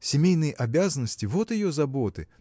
Семейные обязанности – вот ее заботы